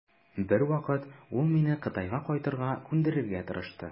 Бер вакыт ул мине Кытайга кайтырга күндерергә тырышты.